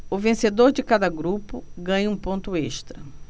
o vencedor de cada grupo ganha um ponto extra